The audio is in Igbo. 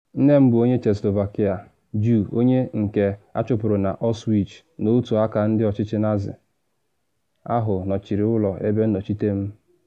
Nne m bụ onye Czechslovak Jew onye nke achụpụrụ na Auschwitz n’otu aka ndị ọchịchị Nazi ahụ nọchiri ụlọ ebe nnọchite m.